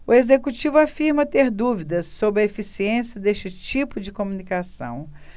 o executivo afirma ter dúvidas sobre a eficiência desse tipo de comunicação